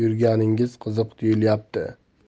yurganingiz qiziq tuyulyapti